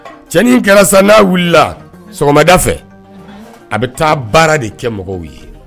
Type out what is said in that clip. Cɛnin kɛra n'a wulila sɔgɔmada fɛ a bɛ taa baara de kɛ mɔgɔw ye